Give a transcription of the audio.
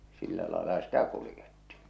sillä lailla sitä kuljettiin